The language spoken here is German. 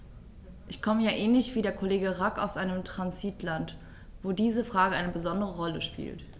Ich komme ja ähnlich wie der Kollege Rack aus einem Transitland, wo diese Frage eine besondere Rolle spielt.